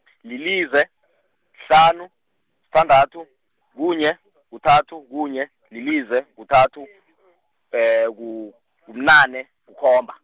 lilize , kuhlanu, sithandathu, kunye , kuthathu, kunye, lilize, kuthathu, ku- kubunane, kukhomba.